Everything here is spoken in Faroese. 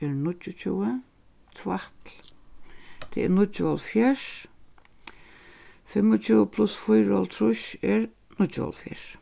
er níggjuogtjúgu tvætl tað er níggjuoghálvfjerðs fimmogtjúgu pluss fýraoghálvtrýss er níggjuoghálvfjerðs